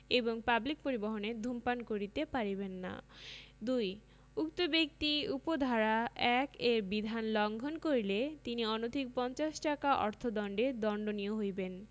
এবং পাবলিক পরিবহণে ধূমপান করিতে পারিবেন না ২ কোন ব্যক্তি উপ ধারা ১ এর বিধান লংঘন করিলে তিনি অনধিক পঞ্চাশ টাকা অর্থদন্ডে দন্ডনীয় হইবেন